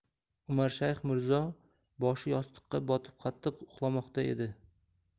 umarshayx mirzo boshi yostiqqa botib qattiq uxlamoqda edi